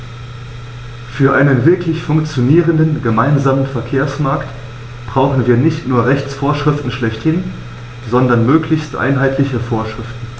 Für einen wirklich funktionierenden gemeinsamen Verkehrsmarkt brauchen wir nicht nur Rechtsvorschriften schlechthin, sondern möglichst einheitliche Vorschriften.